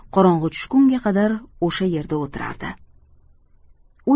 qorong'i tushgunga qadar o'sha yerda o'tirardi